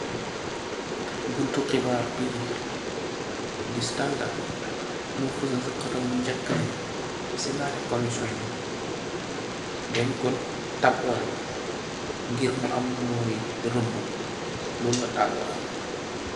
Buntu xibaar bi,"The Standard", moo fësal ci xätäm bu ñeka ne, Siñgate komison bi, dañko taboon, ngir mu am ñioumu ràbu. Lool la Taal wax